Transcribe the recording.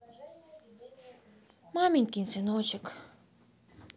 маменькин сыночек